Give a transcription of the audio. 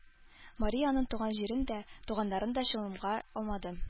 Мария аның туган җирен дә, туганнарын да чалымга алмады.